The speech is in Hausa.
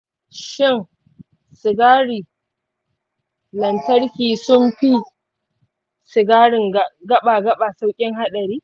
shin sigarin lantarki sun fi sigarin gaba-gaba sauƙin haɗari?